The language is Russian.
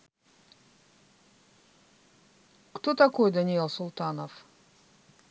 кто такой daniel султанов